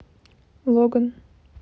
логан